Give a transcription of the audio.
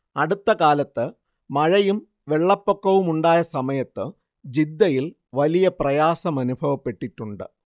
അടുത്ത കാലത്ത് മഴയും വെള്ളപ്പൊക്കവുമുണ്ടായ സമയത്ത് ജിദ്ദയിൽ വലിയ പ്രയാസമനുഭവപ്പെട്ടിട്ടുണ്ട്